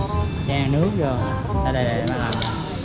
chan nước vô đây ba làm cho